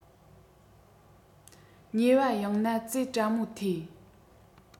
ཉོས པ ཡང ན རྩེ གྲ མོ ཐེ